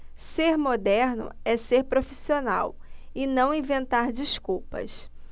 ser moderno é ser profissional e não inventar desculpas